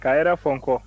ka hɛrɛ fɔ n kɔ